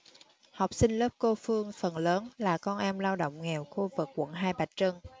học sinh lớp cô phương phần lớn là con em lao động nghèo khu vực quận hai bà trưng